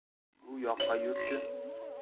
bu yoqqa yur chi